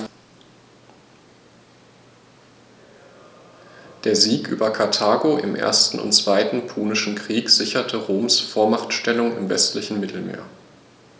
Der Sieg über Karthago im 1. und 2. Punischen Krieg sicherte Roms Vormachtstellung im westlichen Mittelmeer.